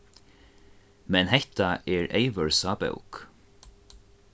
men hetta er eyðvørsa bók